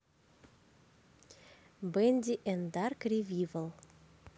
bendy and dark revival